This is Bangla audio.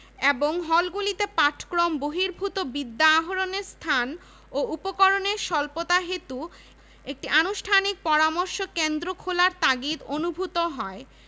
এবং হলগুলিতে পাঠক্রম বহির্ভূত বিদ্যা আহরণের স্থান ও উপকরণের স্বল্পতাহেতু একটি আনুষ্ঠানিক পরামর্শ কেন্দ্র খোলার তাগিদ অনুভূত হয়